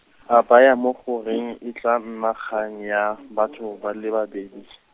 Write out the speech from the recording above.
a baya mo go reng e tla nna kgang ya, batho, ba le babedi.